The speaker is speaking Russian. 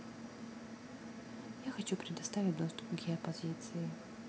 я хочу предоставить доступ к геопозиции